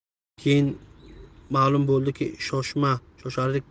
keyin ma'lum bo'ldiki shoshma shosharlik